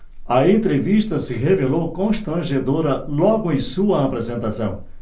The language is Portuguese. a entrevista se revelou constrangedora logo em sua apresentação